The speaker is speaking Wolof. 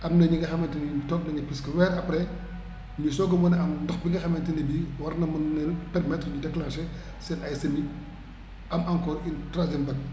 am na ñi nga xamante ne bi toog nañu presque weer après ñu soog a mën a am ndox bi nga xam ne bii war na mën leen permettre ñu déclenché seen ay semis am encore une troisième vague